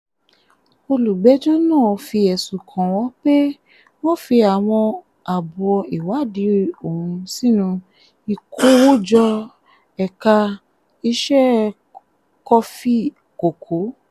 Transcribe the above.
Olùgbẹ́jọ́ náà fi ẹ̀sùn kan wọ́n pé wọ́n fi àwọn àbọ̀ ìwádìí òun sínú ìkówójẹ ẹ̀ka iṣẹ́ kọfí kòkó.